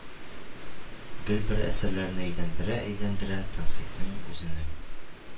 Гел бер әсәрләрне әйләндерә-әйләндерә тәнкыйтьнең үзенең